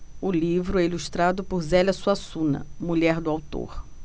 o livro é ilustrado por zélia suassuna mulher do autor